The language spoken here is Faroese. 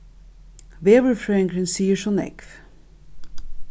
veðurfrøðingurin sigur so nógv